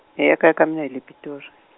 e a kaya ka mina hile Pitori.